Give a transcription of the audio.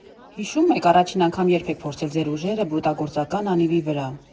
Հիշո՞ւմ եք՝ առաջին անգամ ե՞րբ եք փորձել ձեր ուժերը բրուտագործական անիվի վրա։